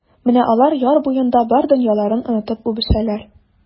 Менә алар яр буенда бар дөньяларын онытып үбешәләр.